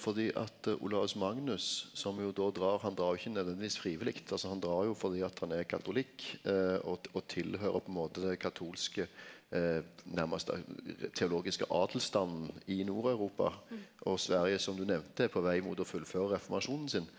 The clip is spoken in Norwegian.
fordi at Olaus Magnus som jo då drar han drar jo nødvendigvis frivillig, altså han drar jo fordi at han er katolikk og og tilhøyrer på ein måte det katolske nærmast teologiske adelsstanden i Nord-Europa og Sverige som du nemnde er på veg mot å fullføre reformasjonen sin.